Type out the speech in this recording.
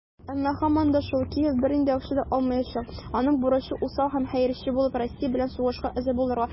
Әмма, һаман да шул, Киев бернинди акча да алмаячак - аның бурычы усал һәм хәерче булып, Россия белән сугышка әзер булырга.